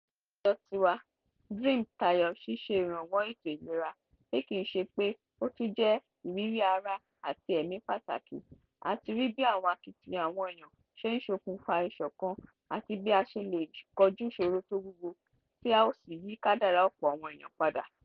Lọ́dọ̀ ti wa, DREAM tayọ ṣíṣe ìrànwọ̀ ètò ìlerá bí kìí ṣe pé ó tún jẹ́ ìrírí ara àti ẹ̀mí pàtàkì: a ti rí bí àwọn akitiyan àwọn eèyàn ṣe ń ṣokùnfà ìṣòkan àti bí a ṣe lè kojú ìṣòro tó wúwo, tí ó sì yí kádàrá ọ̀pọ̀ awọn eèyàn padà.